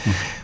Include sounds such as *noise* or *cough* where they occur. *breath* *hesitation*